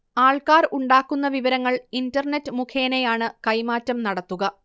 ആൾക്കാർ ഉണ്ടാക്കുന്ന വിവരങ്ങൾ ഇന്റർനെറ്റ് മുഖേനയാണ് കൈമാറ്റം നടത്തുക